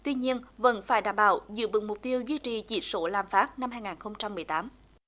tuy nhiên vẫn phải đảm bảo giữ vững mục tiêu duy trì chỉ số lạm phát năm hai nghìn không trăm mười tám